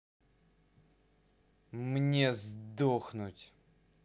мне сдохнуть